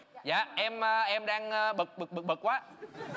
dạ em em đang bực bực bực bực quá